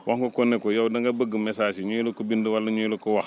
wax nga ko ne ko yow da nga bëgg messages yi ñoo la ko bind wala ñoo la ko wax